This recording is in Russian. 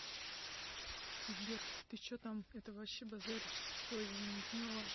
сбер ты че там это вообще базаришь то я не поняла